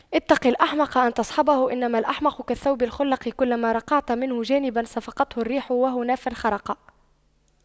اتق الأحمق أن تصحبه إنما الأحمق كالثوب الخلق كلما رقعت منه جانبا صفقته الريح وهنا فانخرق